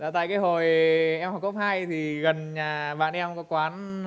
dạ tại cái hồi em học cấp hai thì gần nhà bạn em có quán